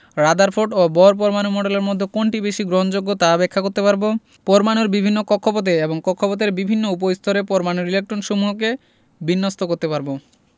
Rutherford ও Bohr পরমাণু মডেলের মধ্যে কোনটি বেশি গ্রহণযোগ্য তা ব্যাখ্যা করতে পারব পরমাণুর বিভিন্ন কক্ষপথে এবং কক্ষপথের বিভিন্ন উপস্তরে পরমাণুর ইলেকট্রনসমূহকে বিন্যস্ত করতে পারব